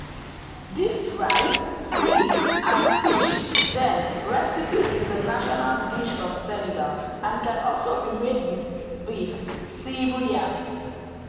This rice (ceeb) and fish (jenn) recipe is the national dish of Senegal and can also be made with beef (ceebu yapp).